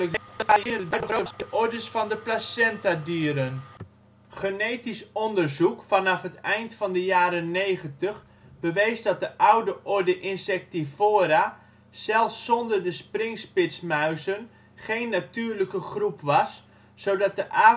de ordes van de placentadieren. Genetisch onderzoek vanaf het eind van de jaren 90 bewees dat de oude orde Insectivora, zelfs zonder de springspitsmuizen, geen natuurlijke groep was, zodat de Afrosoricida